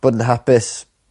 Bod yn hapus.